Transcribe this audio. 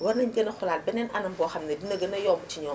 war nañu gën a xolaat beneen anam boo xam ni dina gën a yomb ci ñoom